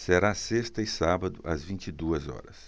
será sexta e sábado às vinte e duas horas